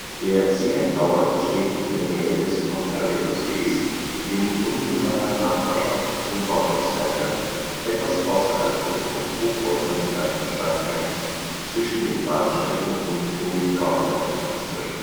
Der CN Tower steht in der Nähe des Ontariosees in unmittelbarer Nachbarschaft zum Rogers Centre etwas außerhalb des von Hochhäusern beherrschten Stadtkerns zwischen den Bahnstrecken und dem Gardiner Expressway